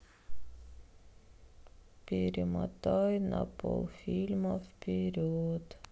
перемотай на полфильма вперед